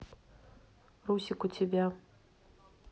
русик у тебя